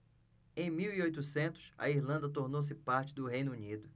em mil e oitocentos a irlanda tornou-se parte do reino unido